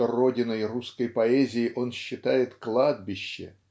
"что родиной русской поэзии он считает кладбище